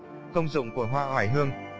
công dụng của hoa oải hương